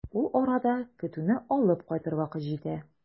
Ул арада көтүне алып кайтыр вакыт җитә.